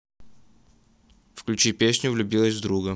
включи песню влюбилась в друга